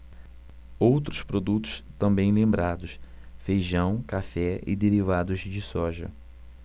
outros produtos também lembrados feijão café e derivados de soja